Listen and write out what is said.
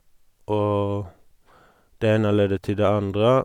Og det ene ledet til det andre.